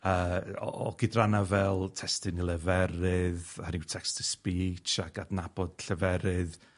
yy o o gydrane fel testun i leferyff hynny yw text to speech ac adnabod lleferydd